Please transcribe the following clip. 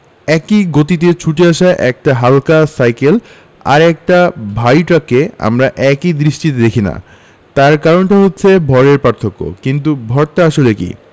একই গতিতে ছুটে আসা একটা হালকা সাইকেল আর একটা ভারী ট্রাককে আমরা একদৃষ্টিতে দেখি না তার কারণটা হচ্ছে ভরের পার্থক্য কিন্তু ভরটা আসলে কী